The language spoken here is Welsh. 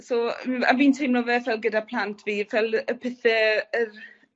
So m- a fi'n teimlo fel ffel gyda plant fi ffel y pethe yr